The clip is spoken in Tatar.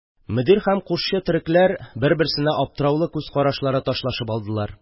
Мөдир һәм кушчы төрекләр бер-берсенә аптыраулы күз карашлары ташлашып алдылар.